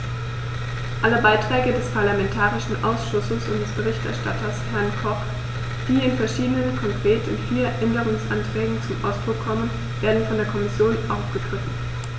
Alle Beiträge des parlamentarischen Ausschusses und des Berichterstatters, Herrn Koch, die in verschiedenen, konkret in vier, Änderungsanträgen zum Ausdruck kommen, werden von der Kommission aufgegriffen.